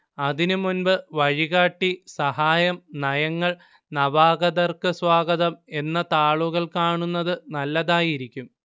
അതിനുമുൻപ് വഴികാട്ടി സഹായം നയങ്ങൾ നവാഗതർക്ക് സ്വാഗതം എന്ന താളുകൾ കാണുന്നത് നല്ലതായിരിക്കും